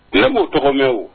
Tile'o tɔgɔ mɛn wo